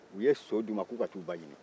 u ye so d'u ma k'u ka taa u ba ɲini